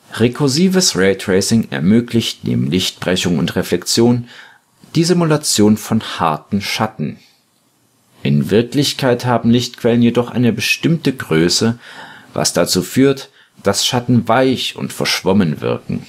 Rekursives Raytracing ermöglicht neben Lichtbrechung und - reflexion die Simulation von harten Schatten. In Wirklichkeit haben Lichtquellen jedoch eine bestimmte Größe, was dazu führt, dass Schatten weich und verschwommen wirken